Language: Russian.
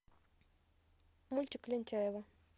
мультик лентяево